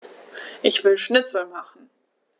Ich will Schnitzel machen.